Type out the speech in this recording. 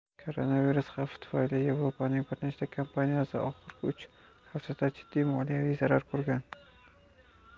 koronavirus xavfi tufayli yevropaning bir nechta kompaniyasi oxirgi uch haftada jiddiy moliyaviy zarar ko'rgan